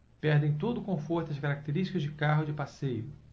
perdem todo o conforto e as características de carro de passeio